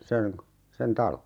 sen - sen talon